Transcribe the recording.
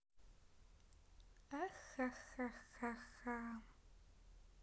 ахахахаха